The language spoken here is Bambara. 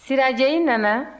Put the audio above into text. sirajɛ i nana